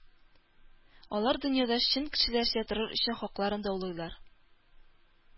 Алар дөньяда чын кешеләрчә торыр өчен хакларын даулыйлар